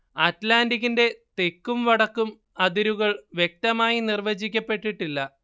അറ്റ്ലാന്റിക്കിന്റെ തെക്കും വടക്കും അതിരുകൾ വ്യക്തമായി നിർവചിക്കപ്പെട്ടിട്ടില്ല